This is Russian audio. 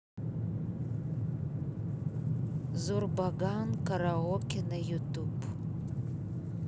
зурбаган караоке на ютуб